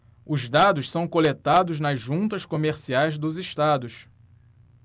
os dados são coletados nas juntas comerciais dos estados